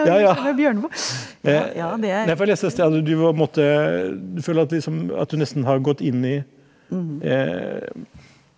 ja ja nei for jeg leste et sted at du var på en måte du føler at liksom at du nesten har gått inn i .